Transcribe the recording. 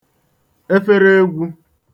efereegwū